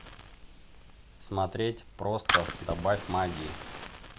смотреть просто добавь магии